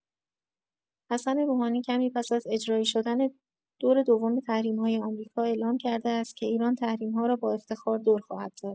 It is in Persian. حسن روحانی کمی پس از اجرایی شدن دور دوم تحریم‌های آمریکا اعلام کرده است که ایران تحریم‌ها را با افتخار دور خواهد زد.